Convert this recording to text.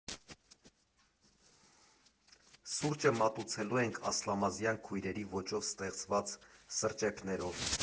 Սուրճը մատուցելու ենք Ասլամազյան քույրերի ոճով ստեղծված սրճեփներով։